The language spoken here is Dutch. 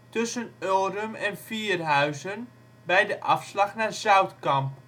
tussen Ulrum en Vierhuizen, bij de afslag naar Zoutkamp